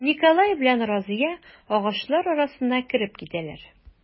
Николай белән Разия агачлар арасына кереп китәләр.